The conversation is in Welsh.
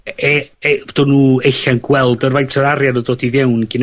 e- e- e- do'n nw ella'n gweld yr faint yr arian yn dod i fewn gin